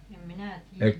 en minä tiedä